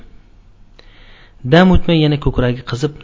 dam utmay yana kukragi qizib